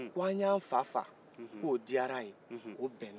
ko an y'an fa faga k'o diyara ye k'o bɛnna a ma